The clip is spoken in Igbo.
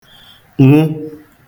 nwụ